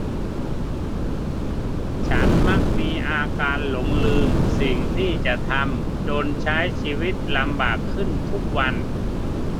ฉันมักมีอาการหลงลืมสิ่งที่จะทำจนใช้ชีวิตลำบากขึ้นทุกวัน